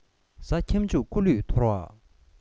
གཟའ ཁྱབ འཇུག སྐུ ལུས ཐོར བ